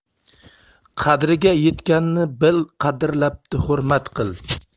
qadringga yetganni bil qadrlabdi hurmat qil